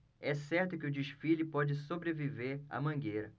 é certo que o desfile pode sobreviver à mangueira